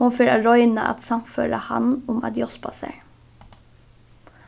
hon fer at royna at sannføra hann um at hjálpa sær